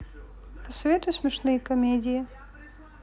посоветуй смешные комедии